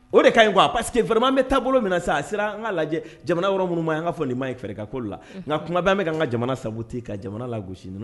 O de ka ɲi kuwa a parcerisekeɛrɛma bɛ taabolo min na sa a sera an ka lajɛ jamana yɔrɔ minnu ma ye an kaa fɔ nin m maa fɛɛrɛ ka ko la nka kuma bɛ bɛ' ka jamana sabu ten ka jamana la gosi